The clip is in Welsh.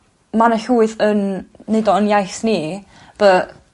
ma' 'na llwyth yn neud o yn iaith ni but